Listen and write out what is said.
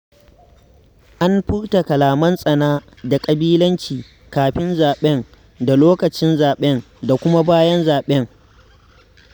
An furta kalaman tsana da ƙabilanci kafin zaɓen da lokacin zaɓen da kuma bayan zaɓen.